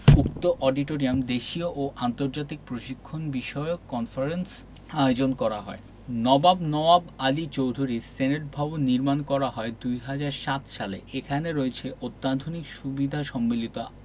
উক্ত অডিটোরিয়ামে দেশীয় ও আন্তর্জাতিক প্রশিক্ষণ বিষয়ক কনফারেন্স আয়োজন করা হয় নবাব নওয়াব আলী চৌধুরী সিনেটভবন নির্মাণ করা হয় ২০০৭ সালে এখানে রয়েছে অত্যাধুনিক সুবিধা সম্মিলিত